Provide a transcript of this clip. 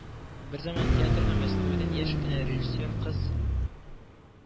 Берзаман театрга Мәскәүдән яшь кенә режиссер кыз